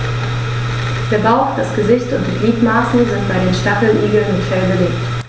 Der Bauch, das Gesicht und die Gliedmaßen sind bei den Stacheligeln mit Fell bedeckt.